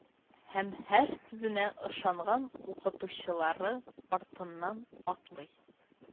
Һәм һәр сүзенә ышанган укытучылары артыннан атлый